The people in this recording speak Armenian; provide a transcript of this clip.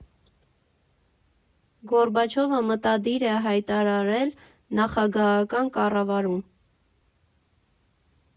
Գորբաչովը մտադիր է հայտարարել նախագահական կառավարում։